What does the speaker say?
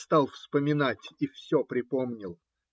Стал вспоминать и все припомнил.